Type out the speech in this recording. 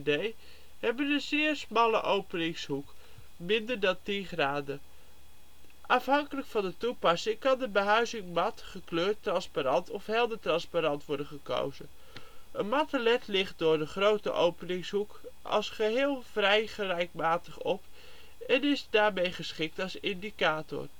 een zeer smalle openingshoek (minder dan 10 graden). Afhankelijk van de toepassing kan de behuizing mat, gekleurd transparant of helder transparant worden gekozen. Een matte led licht door een grote openingshoek als geheel vrij gelijkmatig op en is daarmee geschikt als indicator